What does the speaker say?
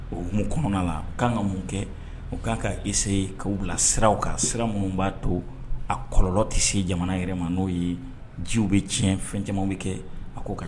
O mun kɔnɔna la k'an ka mun kɛ o k' ka kise ka bila sira kan sira minnu b'a to a kɔlɔ tɛ se jamana yɛrɛ ma n'o ye jiw bɛ tiɲɛ fɛn caman bɛ kɛ a ko ka